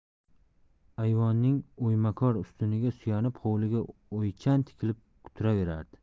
ayvonning o'ymakor ustuniga suyanib hovliga o'ychan tikilib turaverdi